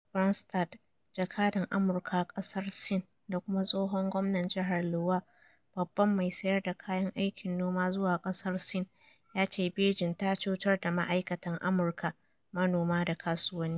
Terry Branstad, jakadan Amurka a kasar Sin da kuma tsohon gwamnan jihar Iowa, babban mai sayar da kayan aikin noma zuwa kasar Sin, ya ce Beijing ta cutar da ma'aikatan Amurka, manoma da kasuwanni.